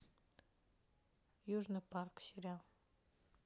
южный парк сериал